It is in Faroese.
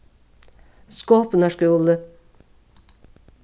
skopunar skúli